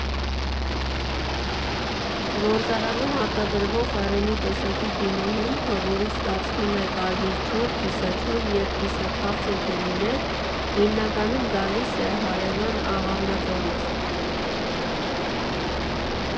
Գործարանում արտադրվող Արենի տեսակի գինու հումքը, որից ստացվում է կարմիր չոր, կիսաչոր և կիսաքաղցր գինիներ, հիմնականում գալիս է հարևան Աղավնաձորից։